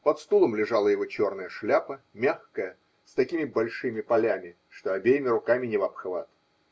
под стулом лежала его черная шляпа, мягкая, с такими большими полями, что обеими руками не в обхват.